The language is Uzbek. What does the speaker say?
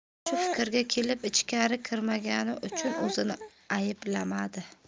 zohid shu fikrga kelib ichkari kirmagani uchun o'zini ayblamadi